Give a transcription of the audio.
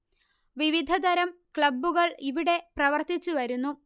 വിവധതരം ക്ലബ്ബുകൾ ഇവിടെ പ്രവർത്തിച്ച് വരുന്നു